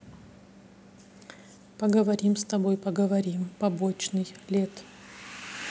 поговорим с тобой поговорим побочный лет